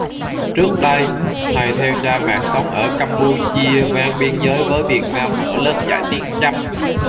trước đây thầy theo cha mẹ sống ở campuchia ven biên giới với việt nam mở lớp dạy tiếng chăm